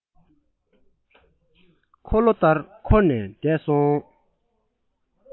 འཁོར ལོ ལྟར འཁོར ནས བསྡད སོང